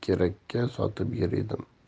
kepakka sotib yer edim